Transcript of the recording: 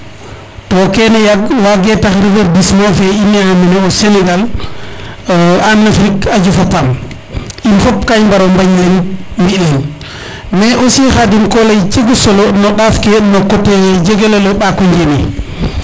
to kene yaag wage tax reverdissement fe i ne a mene au senegal en Afrique a jofa paam in fop ka i mbaro mbañ leŋ mbi leŋ mais aussi Khadim ko ley cegu solo no Ndaf fe coté jegolo le Mbako Ndiemé